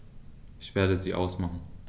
Ich werde sie ausmachen.